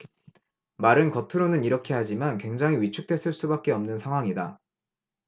말은 겉으로는 이렇게 하지만 굉장히 위축됐을 수밖에 없는 상황이다